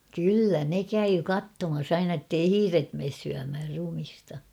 kyllä ne kävi katsomassa aina että ei hiiret mene syömään ruumista